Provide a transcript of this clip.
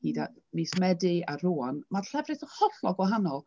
Hyd at mis Medi a rŵan mae'r llefrith yn hollol gwahanol.